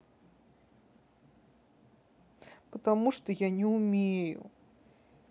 потому что я не умею